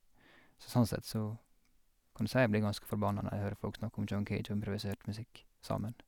Så sånn sett så kan du si jeg blir ganske forbanna når jeg hører folk snakke om John Cage og improvisert musikk sammen.